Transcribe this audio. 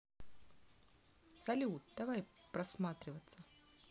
салют давай просматривается